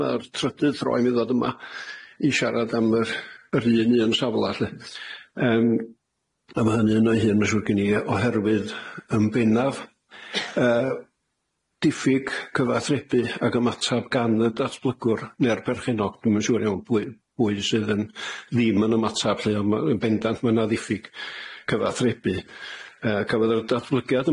Ma'r trydydd tro i mi ddod yma i siarad am yr yr un un safle 'lly yym a ma' hynny'n o'i hun ma'n siŵr gen i oherwydd yn bennaf yy diffyg cyfathrebu ag ymatab gan y datblygwr ne'r perchennog, dwi'm yn siŵr iawn pwy pwy sydd yn ddim yn ymatab lly on' ma' yn bendant ma' 'na ddiffyg cyfathrebu yy cafodd y datblygiad